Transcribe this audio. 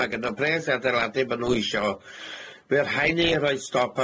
ma' gynno pres i adeiladu ma' n'w isio fydd rhaid ni roi stop